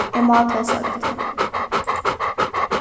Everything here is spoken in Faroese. eg má tosa við teg